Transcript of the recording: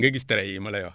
nga gis traits yi ma lay wax